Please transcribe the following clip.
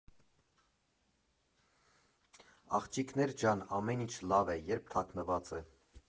Աղջկիկներ ջան, ամեն ինչ լավ է, երբ թաքնված է։